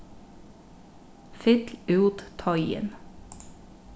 fyll út teigin